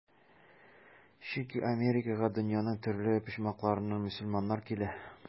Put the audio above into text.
Чөнки Америкага дөньяның төрле почмакларыннан мөселманнар килә.